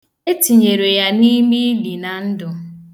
E tinyere ya m'ime ili na ndụ.